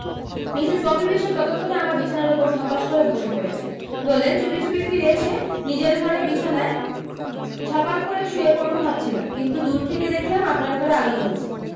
Mrs Popy Biswas ততক্ষণে আমার বিছানার উপর ধপাস করে বসে পড়েছেন বললেন চুপি চুপি ফিরে এসে নিজের ঘরে বিছানায় ঝপাং করে শুয়ে পড়বো ভাবছিলাম কিন্তু দূর থেকে দেখলাম আপনার ঘরে আলো জলছে